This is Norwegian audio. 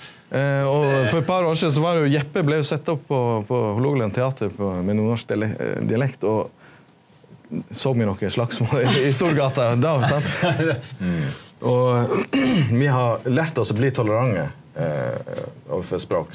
og for eit par år sidan so var det jo Jeppe blei jo sett opp på på Hålogaland teater på med nordnorsk dialekt og såg me noko slagsmål i Storgata då sant og me har lært oss å bli tolerante overfor språk.